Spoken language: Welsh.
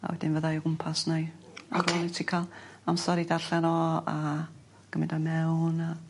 a wedyn fyddai o gwmpas 'na i... Oce. ...ar ôl i ti ca'l amser i darllen o a gymyd o i mewn a...